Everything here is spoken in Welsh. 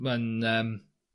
ma'n yym